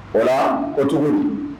O ougu